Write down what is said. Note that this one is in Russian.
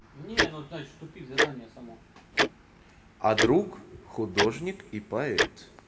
а друг художник и поэт